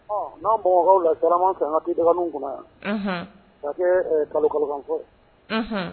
N'a bo la taarama fɛn ka'i dɔgɔnin kunna yan k kalokan fɔ